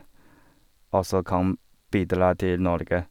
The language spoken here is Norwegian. Og så kan bidra til Norge.